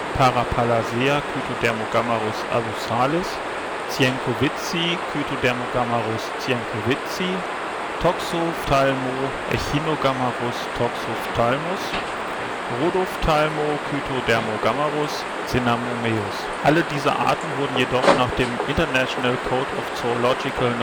Parapallaseakytodermogammarus abyssalis Zienkowiczikytodermogammarus zienkowiczi Toxophthalmoechinogammarus toxophthalmus Rhodophthalmokytodermogammarus cinnamomeus Alle diese Namen wurden jedoch nach dem International Code of Zoological